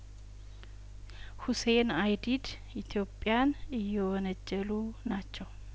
ሁሴን አይዲድ ኢትዮጵያን እየወነጀሉ ናቸው